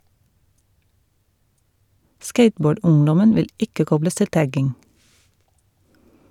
Skateboard-ungdommen vil ikke kobles til tagging.